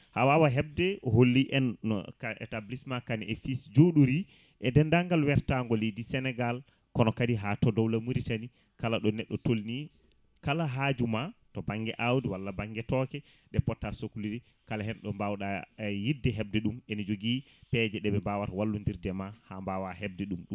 ha wawa hebde o holli en no Ka établissement Kane et fils jooɗori e dendaagal wertago leydi Sénégal kono ha to dawla Mauritanie kala ɗo neɗɗo tolni kala hajuma to banggue awdi walla banggue tooke ɗe potta sohlude kala hen ɗo mbawɗa yidde hebde ɗum ene jogui peeje ɗeɓe mbawata wallodirde ma ha mbawa hebde ɗum